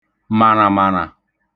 màṙàmàṙà